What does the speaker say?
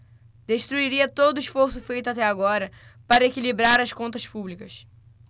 destruiria todo esforço feito até agora para equilibrar as contas públicas